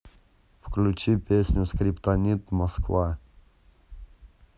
включи песню скриптонит москва